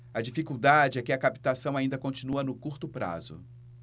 a dificuldade é que a captação ainda continua no curto prazo